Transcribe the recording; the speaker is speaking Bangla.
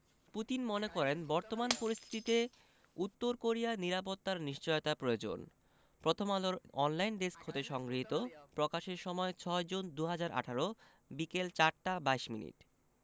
পুতিন মনে করেন বর্তমান পরিস্থিতিতে উত্তর কোরিয়ার নিরাপত্তার নিশ্চয়তা প্রয়োজন প্রথমআলোর অনলাইন ডেস্ক হতে সংগৃহীত প্রকাশের সময় ৬জুন ২০১৮ বিকেল ৪টা ২২ মিনিট